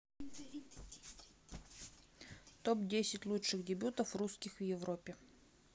топ десять лучших дебютов русских в европе